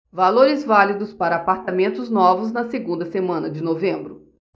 valores válidos para apartamentos novos na segunda semana de novembro